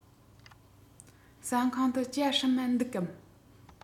ཟ ཁང དུ ཇ སྲུབས མ འདུག གམ